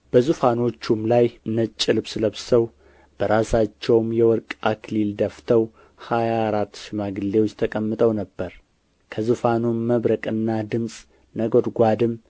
በዙፋኖቹም ላይ ነጭ ልብስ ለብሰው በራሳቸውም የወርቅ አክሊል ደፍተው ሀያ አራት ሽማግሌዎች ተቀምጠው ነበር ከዙፋኑም መብረቅና ድምፅ ነጐድጓድም